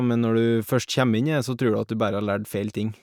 Men når du først kjem inn i det så tror du at du bærre har lært feil ting.